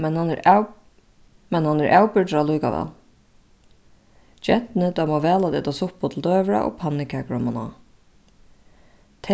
men hann er men hann er avbyrgdur allíkavæl gentuni dámar væl at eta suppu til døgurða og pannukøkur omaná